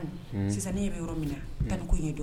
Sisan ne bɛ yɔrɔ min na tanko ye don